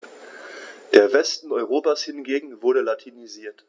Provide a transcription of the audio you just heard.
Der Westen Europas hingegen wurde latinisiert.